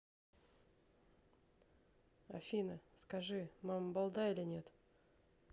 афина скажи мама балда или нет